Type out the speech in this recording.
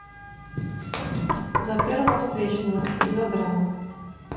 за первого встречного мелодрама